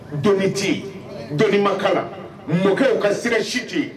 Dɔnni tɛ yen dɔnni ma k'a la. Mɔkɛw ka sira si tɛ yen